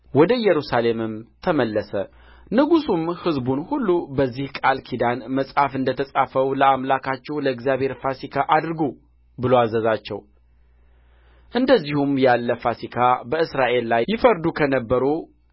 ወደ ኢየሩሳሌምም ተመለሰ ንጉሡም ሕዝቡን ሁሉ በዚህ በቃል ኪዳን መጽሐፍ እንደ ተጻፈው ለአምላካችሁ ለእግዚአብሔር ፋሲካ አድርጉ ብሎ አዘዛቸው እንደዚህም ያለ ፋሲካ በእስራኤል ላይ ይፈርዱ ከነበሩ